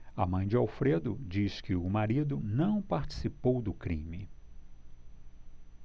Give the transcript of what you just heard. a mãe de alfredo diz que o marido não participou do crime